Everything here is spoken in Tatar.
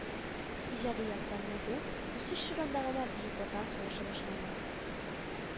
Иҗади яктан ныгу, үсеш чорында гына Бөек Ватан сугышы башлана,